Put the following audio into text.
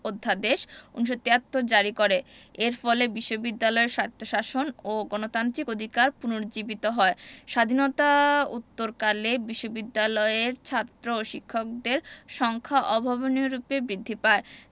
অধ্যাদেশ ১৯৭৩ জারি করে এর ফলে বিশ্ববিদ্যালয়ের স্বায়ত্তশাসন ও গণতান্ত্রিক অধিকার পুনরুজ্জীবিত হয় স্বাধীনতা উত্তরকালে বিশ্ববিদ্যালয়ের ছাত্র ও শিক্ষকদের সংখ্যা অভাবনীয়রূপে বৃদ্ধি পায়